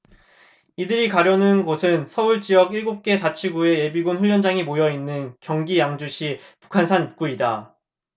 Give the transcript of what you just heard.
이들이 가려는 곳은 서울 지역 일곱 개 자치구의 예비군 훈련장이 모여 있는 경기 양주시 북한산 입구다